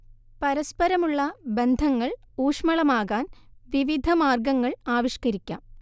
പരസ്പരമുള്ള ബന്ധങ്ങൾ ഊഷ്ളമാകാൻ വിവിധ മാർഗങ്ങൾ ആവിഷ്കരിക്കാം